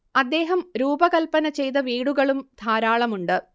അദ്ദേഹം രൂപകല്പന ചെയ്ത വീടുകളും ധാരാളമുണ്ട്